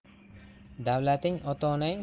davlating ota onang